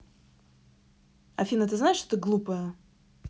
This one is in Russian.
афина ты знаешь что ты глупая